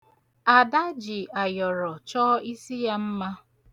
Ada ji ayọrọ chọọ isi ya mma.